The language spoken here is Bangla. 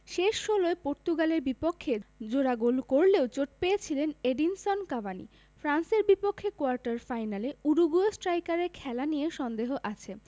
শেষ ষোলোয় পর্তুগালের বিপক্ষে জোড়া গোল করলেও চোট পেয়েছিলেন এডিনসন কাভানি ফ্রান্সের বিপক্ষে কোয়ার্টার ফাইনালে উরুগুয়ে স্ট্রাইকারের খেলা নিয়ে সন্দেহ আছে